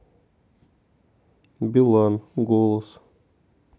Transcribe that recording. билан голос